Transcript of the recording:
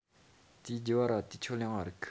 དེའི རྒྱུ བ ར ཏིས ཆོ ལང ང རིག གི